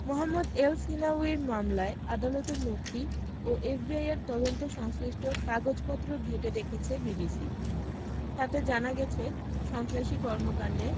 মোহাম্মদ এলসহিনাউয়ির মামলায় আদালতের নথি ও এফবিআইয়ের তদন্ত সংশ্লিষ্ট কাগজপত্র ঘেঁটে দেখেছে বিবিসি তাতে জানা গেছে সন্ত্রাসবাদী কর্মকাণ্ডে